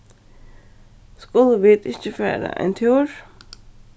skulu vit ikki fara ein túr